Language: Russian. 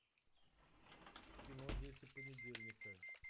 кино дети понедельника